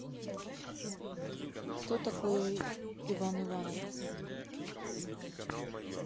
кто такой иван иванов